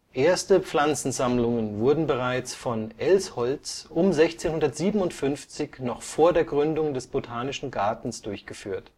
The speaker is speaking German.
Erste Pflanzensammlungen wurden bereits von Elsholtz um 1657 noch vor der Gründung des Botanischen Gartens durchgeführt